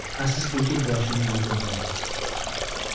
xasisligi boshini yedi uning